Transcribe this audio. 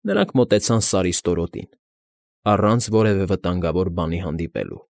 Նրանք մոտեցան Սարի ստորոտին, առանց որևէ վտանգավոր բանի հանդիպելու։